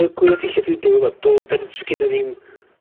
Y gwir 'di lle dwi'n byw yma dodd 'dyn sgennon ni'm